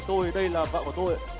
tôi đây là vợ của tôi